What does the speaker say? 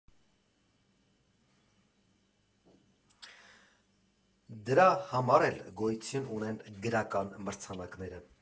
Դրա համար էլ գոյություն ունեն գրական մրցանակները։